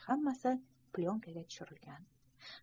bularning hammasi plyonkaga tushirilgan